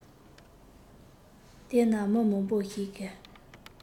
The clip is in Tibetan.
དེ ན མི མང པོ ཞིག གིས